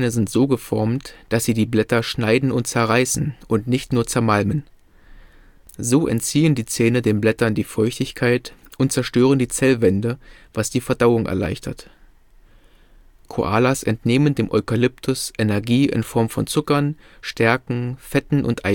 sind so geformt, dass sie die Blätter schneiden und zerreißen und nicht nur zermalmen. So entziehen die Zähne den Blättern die Feuchtigkeit und zerstören die Zellwände, was die Verdauung erleichtert. Koalas entnehmen dem Eukalyptus Energie in Form von Zuckern, Stärken, Fetten und Eiweißen. In